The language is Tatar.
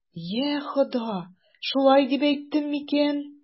Йа Хода, шулай дип әйттем микән?